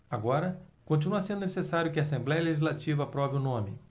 agora continua sendo necessário que a assembléia legislativa aprove o nome